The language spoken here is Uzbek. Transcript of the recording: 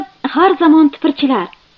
har zamon tipirchilar